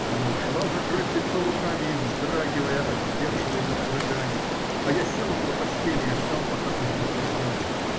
Она ушла, закрыв лицо руками и вздрагивая от сдерживаемых рыданий, а я сел около постели и ждал, пока Кузьма проснется.